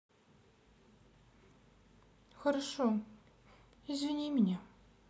хорошо извини меня